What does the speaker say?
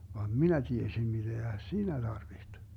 vaan minä tiesin mitä siinä tarvitsi